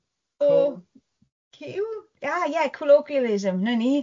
O que, ah yeah, colloquialism, 'na ni